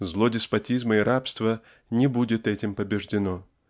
зло деспотизма и рабства не будет этим побеждено